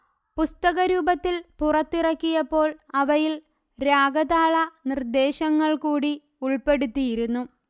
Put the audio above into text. പുസ്തകരൂപത്തിൽ പുറത്തിറക്കിയപ്പോൾ അവയിൽ രാഗതാള നിർദ്ദേശങ്ങൾ കൂടി ഉൾപ്പെടുത്തിയിരുന്നു